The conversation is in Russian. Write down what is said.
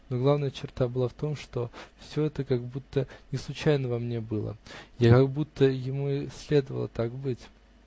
Но главная черта была в том, что все это как будто не случайно во мне было, а как будто ему и следовало так быть.